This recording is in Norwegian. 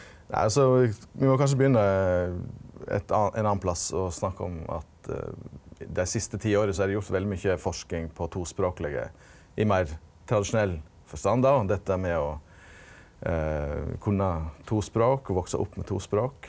nei altså me må kanskje begynne eit ein annan plass og snakka om at dei siste ti åra so har dei gjort veldig mykje forsking på tospråklege i meir tradisjonell forstand då og dette med å kunna to språk og voksa opp med to språk.